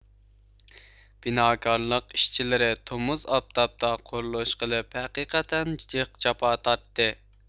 بىناكارلىق ئىشچىلىرى تومۇز ئاپتاپتا قۇرۇلۇش قىلىپ ھەقىقەتەن جىق جاپا تارتتى